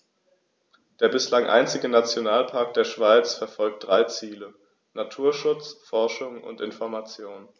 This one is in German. Der bislang einzige Nationalpark der Schweiz verfolgt drei Ziele: Naturschutz, Forschung und Information.